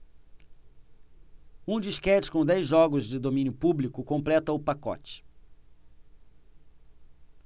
um disquete com dez jogos de domínio público completa o pacote